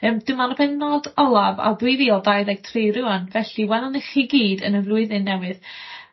yym dwi me'l y bennod olaf o dwy fil dau ddeg tri rŵan felly welwn ni chi gyd yn y flwyddyn newydd.